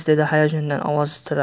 dedi hayajondan ovozi titrab